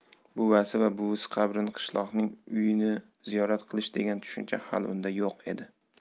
buvasi va buvisi qabrini qishloqni uyni ziyorat qilish degan tushuncha hali unda yo'q edi